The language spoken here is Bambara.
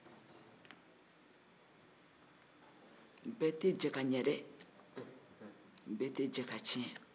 bɛɛ tɛ ɲɛ ka ɲɛ bɛɛ tɛ jɛ ka tiɲɛ